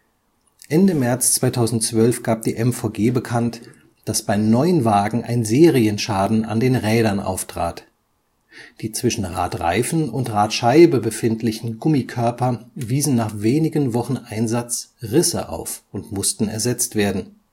Ende März 2012 gab die MVG bekannt, dass bei neun Wagen ein Serienschaden an den Rädern auftrat: Die zwischen Radreifen und Radscheibe befindlichen Gummikörper wiesen nach wenigen Wochen Einsatz Risse auf und mussten ersetzt werden